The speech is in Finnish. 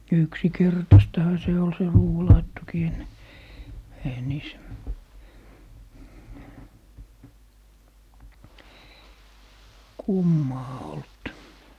yksinkertaistahan se oli se ruuanlaittokin ennen eihän niissä kummaa ollut